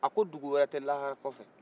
a ko dugu wɛrɛ tɛ lahara kɔfɛ